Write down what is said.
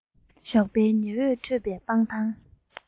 ཞོགས པའི ཉི འོད ཀྱིས མྱོས པའི སྤང ཐང